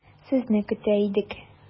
Сезне көтә идек.